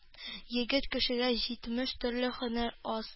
Егет кешегә җитмеш төрле һөнәр аз.